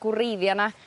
gwreiddia' 'na